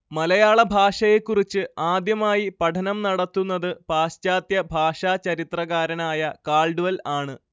മലയാള ഭാഷയെക്കുറിച്ച് ആദ്യമായി പഠനം നടത്തുന്നത് പാശ്ചാത്യ ഭാഷാ ചരിത്രകാരനായ കാൾഡ്വെൽ ആണ്